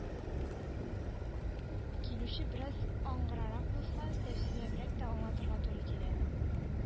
Килүче бераз аңгырарак булса, тәфсилләбрәк тә аңлатырга туры килә.